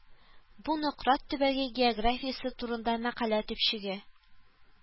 Бу Нократ төбәге географиясе турында мәкалә төпчеге